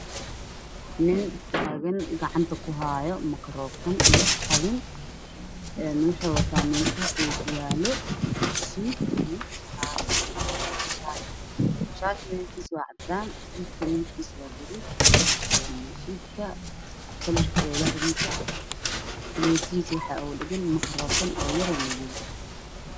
Waa hool waxaa ii muuqda nin wato suud cadays shaati cadaan boor lka danbeeyo